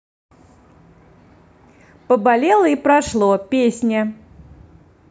поболело и прошло песня